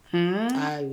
Hun